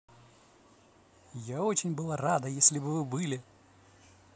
я очень была рада если бы вы были